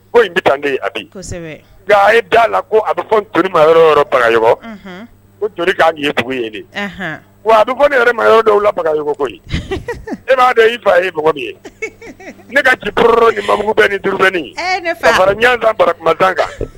Ko in bɛ tan a bi nka a ye da la ko a bɛ fɔ n toma bagay ko to nin ye dugu ye wa a bɛ fɔ ne ma yɔrɔ dɔw la bagay koyi e m'a i fa ye mɔgɔ min ye ne ka jioro ma mugu bɛ ni duuru fara ɲ dan kan